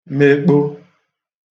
mekpo